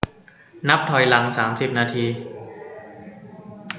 นับถอยหลังสามสิบนาที